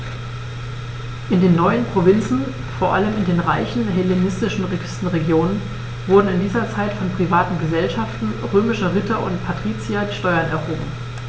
In den neuen Provinzen, vor allem in den reichen hellenistischen Küstenregionen, wurden in dieser Zeit von privaten „Gesellschaften“ römischer Ritter und Patrizier die Steuern erhoben.